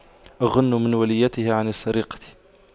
أغن من وليته عن السرقة